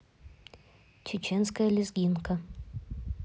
чеченская лезгинка